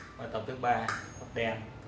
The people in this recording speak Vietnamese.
bài tập thứ là rung nốt đen